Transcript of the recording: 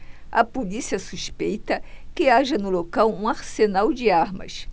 a polícia suspeita que haja no local um arsenal de armas